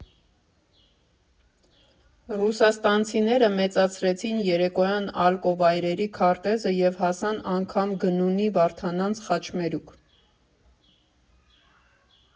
Ռուսաստանցիները մեծացրեցին երեկոյան ալկո֊վայրերի քարտեզը և հասան անգամ Գնունի֊Վարդանանց խաչմերուկ։